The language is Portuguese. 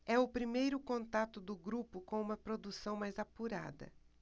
é o primeiro contato do grupo com uma produção mais apurada